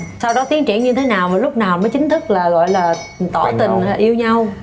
sau đó tiến triển như thế nào mà lúc nào mới chính thức là gọi là tỏ tình yêu nhau